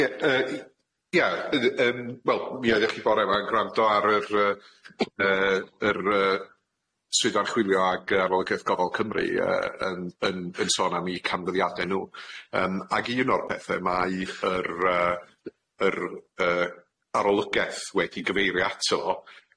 Ie yy ia yy yym wel mi oeddech chi bore ma'n grando ar yr yy yy yr yy swydd archwilio ag yy arolygeth gofal Cymru yy yn yn yn sôn am 'u canfyddiade nw, yym ag un o'r pethe 'ma yw yr yy yr yy arolygeth wedi gyfeirio ato fo.